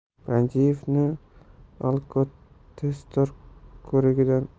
panjiyevni alkotestor ko'rigidan